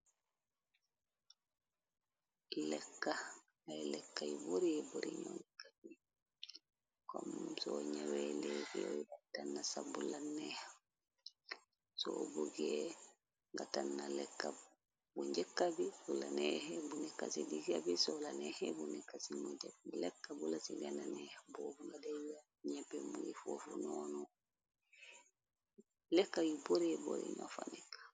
Ekk ñjkai kom soo ñawee leegy dann sa bu la neex soo buggee nga tanna lekka bu njëkka bi su la neexe bu nekka ci ligga bi soo la neexe bu nekka ci mojab lekka bu la ci gana neex boobu nga da a ñeppe mungi foofu noonulekka yu boree bori ño fa nekka.